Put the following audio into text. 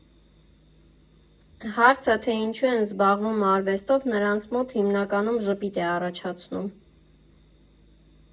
Հարցը, թե ինչու են զբաղվում արվեստով, նրանց մոտ հիմնականում ժպիտ է առաջացնում։